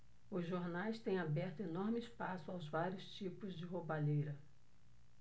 os jornais têm aberto enorme espaço aos vários tipos de roubalheira